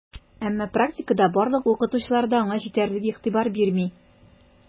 Әмма практикада барлык укытучылар да аңа җитәрлек игътибар бирми: